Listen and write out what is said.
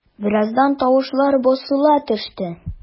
Бераздан тавышлар басыла төште.